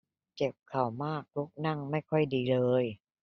เจ็บเข่ามากลุกนั่งไม่ค่อยดีเลย